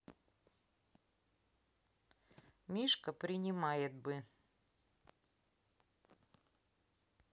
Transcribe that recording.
мишка принимает бы